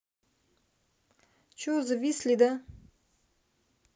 че зависли да